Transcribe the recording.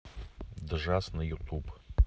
джаз на ютуб